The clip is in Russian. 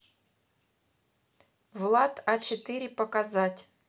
влад а четыре показать